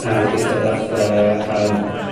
a petha fatha yym